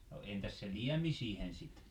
no entäs se liemi siihen sitten